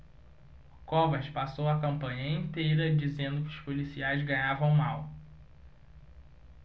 covas passou a campanha inteira dizendo que os policiais ganhavam mal